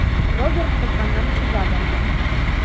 Роберт кызганнан-кыза барды.